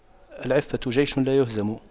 العفة جيش لايهزم